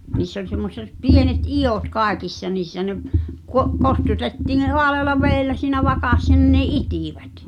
niissä oli semmoiset pienet idut kaikissa niissä ne - kostutettiin ne haalealla vedellä siinä vakassa niin ne itivät